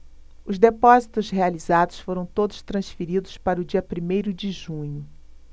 os depósitos realizados foram todos transferidos para o dia primeiro de junho